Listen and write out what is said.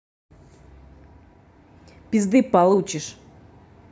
пизды получишь